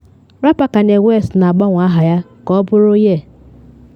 Rapa Kanye West na agbanwe aha ya - ka ọ bụrụ Ye.